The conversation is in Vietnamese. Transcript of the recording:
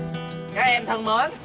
các em thân mến